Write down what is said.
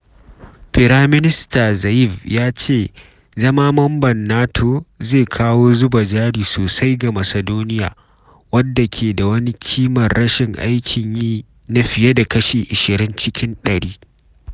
Firaminista Zaev ya ce zama mamban NATO zai kawo zuba jari sosai zuwa ga Macedonia, wadda ke da wani kimar rashin aikin yi na fiye da kashi 20 cikin ɗari.